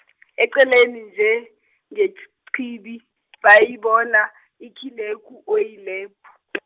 eceleni nje kwechibi bayibona iKileku Oyilepu .